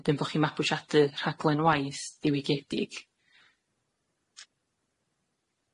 wedyn bo' chi'n mabwysiadu rhaglen waith diwygiedig.